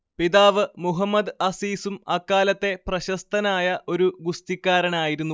പിതാവ് മുഹമ്മദ് അസീസും അക്കാലത്തെ പ്രശസ്തനായ ഒരു ഗുസ്തിക്കാരനായിരുന്നു